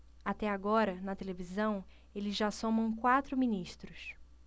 até agora na televisão eles já somam quatro ministros